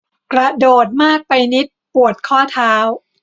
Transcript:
กระโดดมากไปนิดปวดข้อเท้า